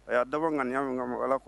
A y' dabɔ ŋani y' min ka ala kuwa